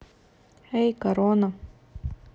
эй корона